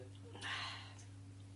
Na.